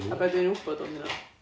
a be dan ni'n wbod am hyna?